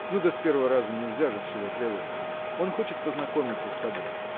ну, да с первого раза нельзя же всего требовать. Он хочет познакомиться с тобой.